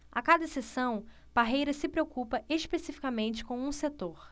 a cada sessão parreira se preocupa especificamente com um setor